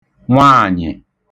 nwaànyị̀